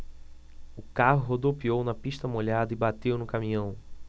o carro rodopiou na pista molhada e bateu no caminhão